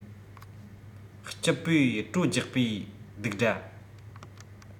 སྐྱིད པོའི བྲོ རྒྱག པའི རྡིག སྒྲ